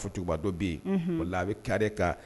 A fɔtuba dɔ bin o la a bɛ kari kan